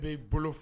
B'i bolo fɛ